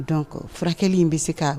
Dɔn furakɛ in bɛ se ka